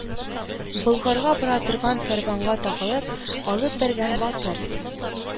Болгарга бара торган кәрванга тагылып, Алып Бәргән батыр